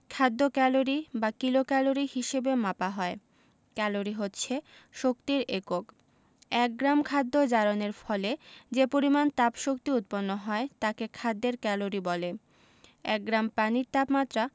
খাদ্য ক্যালরি বা কিলোক্যালরি হিসেবে মাপা হয় ক্যালরি হচ্ছে শক্তির একক এক গ্রাম খাদ্য জারণের ফলে যে পরিমাণ তাপশক্তি উৎপন্ন হয় তাকে খাদ্যের ক্যালরি বলে এক গ্রাম পানির তাপমাত্রা